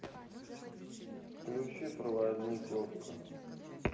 включи проводник окко